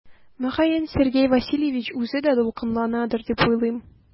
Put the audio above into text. Мөгаен Сергей Васильевич үзе дә дулкынланадыр дип уйлыйм.